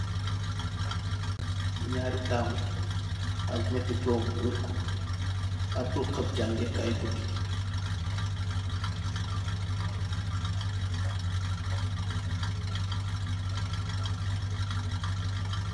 Ñarri taabul ak ñatti toogu worko, ab ruxab jaangee KAAY gudi.